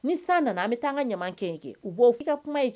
Ni san nana an bi taa an ka ɲama kɛ yen kɛ. U ko i ka kuma ye